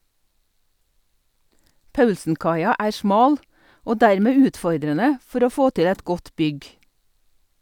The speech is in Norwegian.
Paulsenkaia er smal og dermed utfordrende for å få til et godt bygg.